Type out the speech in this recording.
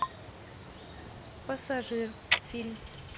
пассажир фильм